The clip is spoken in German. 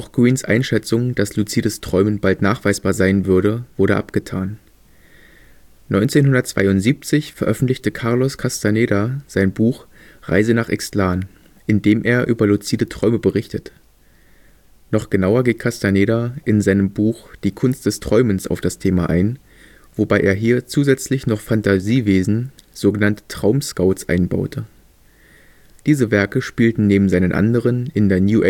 Greens Einschätzung, dass luzides Träumen bald nachweisbar sein würde, wurde abgetan. 1972 veröffentlichte Carlos Castaneda sein Buch Reise nach Ixtlan, in dem er über luzide Träume berichtet. Noch genauer geht Castaneda in seinem Buch Die Kunst des Träumens auf das Thema ein, wobei er hier zusätzlich noch Phantasiewesen, sogenannte „ Traum-Scouts “einbaute. Diese Werke spielten neben seinen anderen in der New-Age-Bewegung